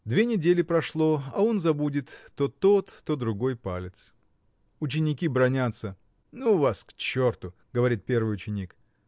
Две недели прошло, а он забудет то тот, то другой палец. Ученики бранятся. — Ну вас к черту! — говорит первый ученик.